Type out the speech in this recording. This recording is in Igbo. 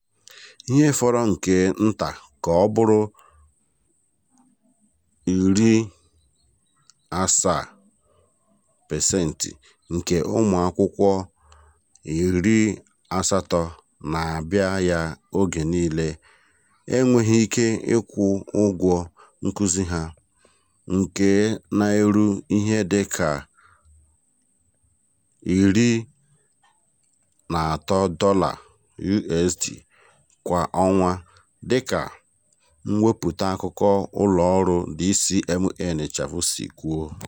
Ihe fọrọ nke nta ka ọ bụrụ 70% nke ụmụakwụkwọ 80 na-abịa ya oge niile enweghị ike ịkwụ ụgwọ nkuzi ha, nke na-eru ihe dị ka $13 USD kwa ọnwa, dịka mwepụta akụkọ ụlọọrụ DCMA si kwuo.